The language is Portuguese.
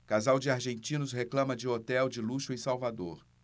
casal de argentinos reclama de hotel de luxo em salvador